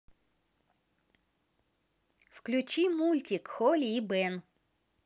включи мультик холли и бен